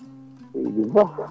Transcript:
seydi Ba